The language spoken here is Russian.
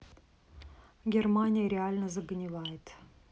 германия реально загнивает